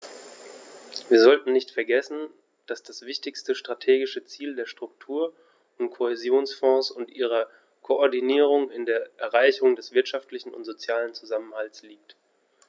Wir sollten nicht vergessen, dass das wichtigste strategische Ziel der Struktur- und Kohäsionsfonds und ihrer Koordinierung in der Erreichung des wirtschaftlichen und sozialen Zusammenhalts liegt.